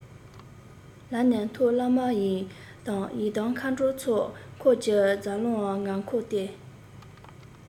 ལར ནས མཐོ བླ མ ཡི དམ མཁའ འགྲོའི ཚོགས འཁོར གྱི རྫས ལའང ང འཁོར སྟེ